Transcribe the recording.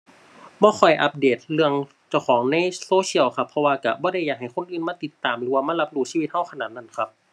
บ่ค่อยอัปเดตเรื่องเจ้าของในโซเชียลครับ เพราะว่าก็บ่ได้อยากให้คนอื่นมาติดตามหรือว่ามารับรู้ชีวิตก็ขนาดนั้นครับ